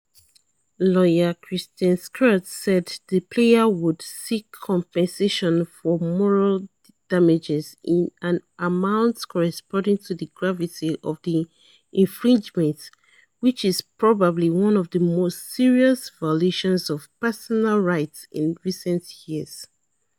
Lawyer Christian Schertz said the player would seek compensation for "moral damages in an amount corresponding to the gravity of the infringement, which is probably one of the most serious violations of personal rights in recent years."